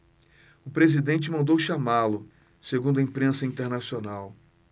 o presidente mandou chamá-lo segundo a imprensa internacional